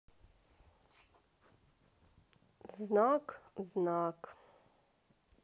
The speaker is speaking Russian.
знак знак